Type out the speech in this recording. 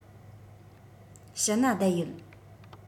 ཕྱི ན བསྡད ཡོད